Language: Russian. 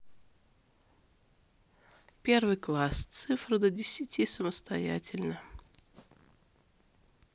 первый класс цифры до десяти самостоятельно